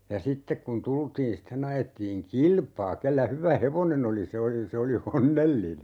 ja sitten kun tultiin sitten ajettiin kilpaa kenellä hyvä hevonen oli se oli se oli onnellinen